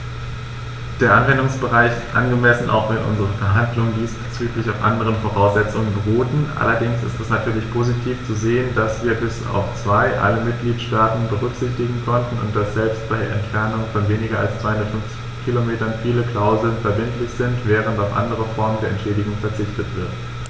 Der Anwendungsbereich ist angemessen, auch wenn unsere Verhandlungen diesbezüglich auf anderen Voraussetzungen beruhten, allerdings ist es natürlich positiv zu sehen, dass wir bis auf zwei alle Mitgliedstaaten berücksichtigen konnten, und dass selbst bei Entfernungen von weniger als 250 km viele Klauseln verbindlich sind, während auf andere Formen der Entschädigung verzichtet wird.